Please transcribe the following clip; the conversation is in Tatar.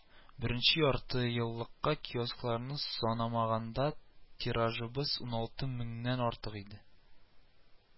Беренче яртыелллыкта киоскларны санамаганда тиражыбыз уналты меңнән артык иде